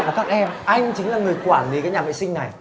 các em anh chính là người quản lí cái nhà vệ sinh này